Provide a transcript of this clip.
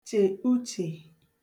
chè uchè